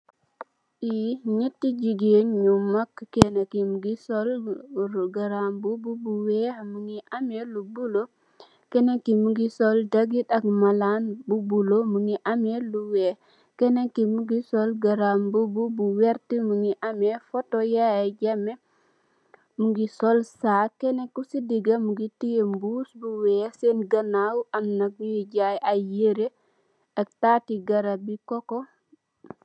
Fi nyatti jigeen yu magg, kene ki mingi sol garambuba bu weex, mingi ame lu bula, kene ki mingi doggit ak malaan bu bula, mingi ame lu weex, keneki mingi sol garambuba lu werta, mingi ame foto Yaya Jamme, mingi sol sag, ko si digg mingi tiye buss bu weex, sen ganaaw, ame kuy jaay ay yire, ak taati garab bi koko.